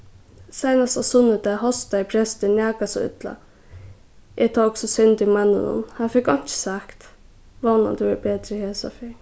seinasta sunnudag hostaði prestur nakað so illa eg tók so synd í manninum hann fekk einki sagt vónandi verður betri hesa ferð